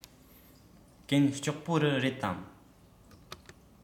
གན ལྕོགས པོ རི རེད དམ